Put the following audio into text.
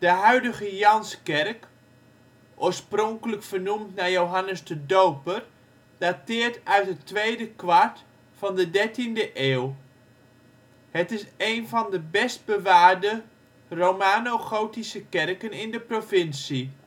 huidige Janskerk, oorspronkelijk vernoemd naar Johannes de Doper dateert uit het tweede kwart van de dertiende eeuw. Het is een van best bewaarde romanogotische kerken in de provincie